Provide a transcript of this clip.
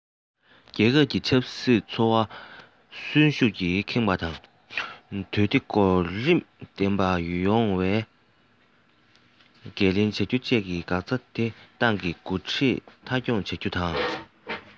རྒྱལ ཁབ ཀྱི ཆབ སྲིད འཚོ བ གསོན ཤུགས ཀྱིས ཁེངས པ དང དུས བདེ གོ རིམ ལྡན པ ཞིག ཡོང བའི འགན ལེན བྱ རྒྱུ བཅས ཀྱི འགག རྩ དེ ཏང གི འགོ ཁྲིད མཐའ འཁྱོངས བྱ རྒྱུ དང